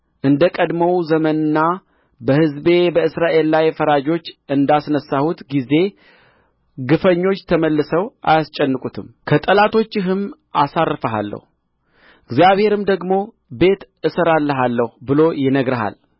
እንደ ቀድሞው ዘመንና በሕዝቤ በእስራኤል ላይ ፈራጆች እንዳስነሣሁበት ጊዜ ግፈኞች ተመልሰው አያስጨንቁትም ከጠላቶችህም አሳርፍሃለሁ እግዚአብሔርም ደግሞ ቤት እሠራልሃለሁ ብሎ ይነግርሃል